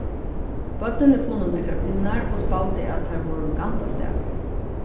børnini funnu nakrar pinnar og spældu at teir vóru gandastavar